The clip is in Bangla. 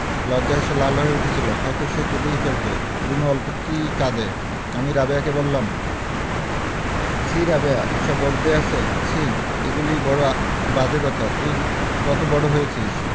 লজ্জায় সে লাল হয়ে উঠেছিলো হয়তো সে কেঁদেই ফেলতো রুনু অল্পতেই কাঁদে আমি রাবেয়াকে বললাম ছিঃ রাবেয়া এসব বলতে আছে ছিঃ এগুলি বড় বাজে কথা তুই কত বড় হয়েছিস